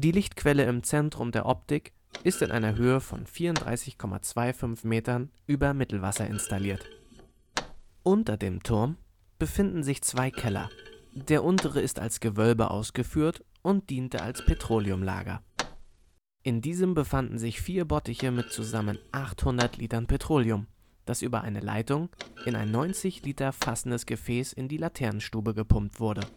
Lichtquelle im Zentrum der Optik ist in einer Höhe von 34,25 m über Mittelwasser installiert. Unter dem Turm befinden sich zwei Keller. Der untere ist als Gewölbe ausgeführt und diente als Petroleumlager. In diesem befanden sich vier Bottiche mit zusammen 800 Litern Petroleum, das über eine Leitung in ein 90 Liter fassendes Gefäß in die Laternenstube gepumpt wurde